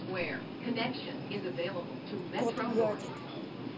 кот гадит